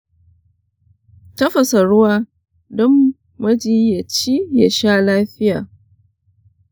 tafasa ruwa don majiyyaci ya sha lafiya.